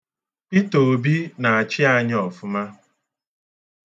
Pita Obi na-achị anyị ọfụma.